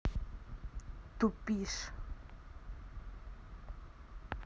тупишь